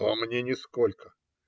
- А мне - нисколько.